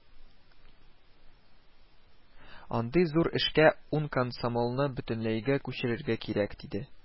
Андый зур эшкә ун комсомолны бөтенләйгә күчерергә кирәк, диде